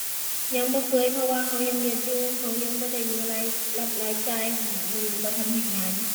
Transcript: ยังบ่เคย เพราะว่าเรายังเรียนอยู่ เรายังบ่ได้มีรายรับรายจ่ายขนาดนั้น ยังบ่ทันเฮ็ดงาน